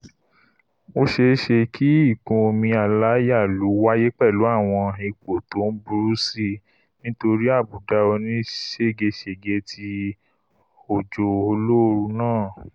Ó ṣeé ṣe kí ìkún omi aláyalù wáyé pẹ̀lú àwọn ipò tó ń burú síi nítorí àbùdá onísége-sège ti òjò olóoru náà.